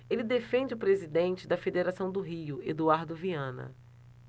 ele defende o presidente da federação do rio eduardo viana